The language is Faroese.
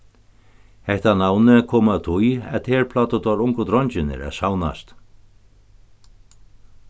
hetta navnið kom av tí at her plagdu teir ungu dreingirnir at savnast